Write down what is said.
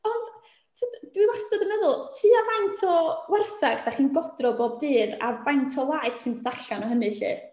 Ond, tibod, dwi wastad yn meddwl, tua faint o wartheg dach chi'n godro bob dydd, a faint o laeth sy'n dod allan o hynny 'lly?